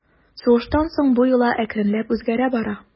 Сугыштан соң бу йола әкренләп үзгәрә бара.